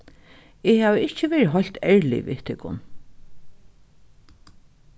eg havi ikki verið heilt ærlig við tykkum